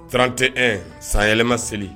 Trante ɛ sanyɛlɛma seli